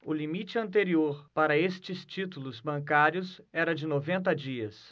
o limite anterior para estes títulos bancários era de noventa dias